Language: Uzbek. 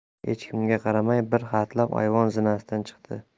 hech kimga qaramay bir hatlab ayvon zinasidan chiqdi